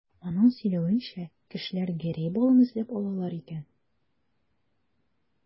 Аның сөйләвенчә, кешеләр Гәрәй балын эзләп алалар икән.